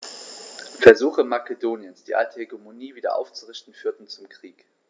Versuche Makedoniens, die alte Hegemonie wieder aufzurichten, führten zum Krieg.